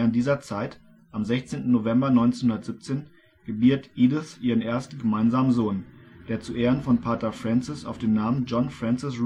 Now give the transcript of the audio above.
dieser Zeit, am 16. November 1917, gebiert Edith ihren ersten gemeinsamen Sohn, der zu Ehren von Pater Francis auf den Namen John Francis